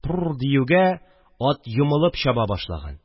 «тпру» диюгә ат йомылып чаба башлаган, егет